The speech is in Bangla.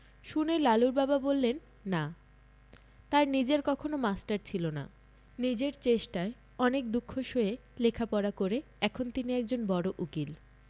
শুনে লালুর বাবা বললেন না তাঁর নিজের কখনো মাস্টার ছিল না নিজের চেষ্টায় অনেক দুঃখ সয়ে লেখাপড়া করে এখন তিনি একজন বড় উকিল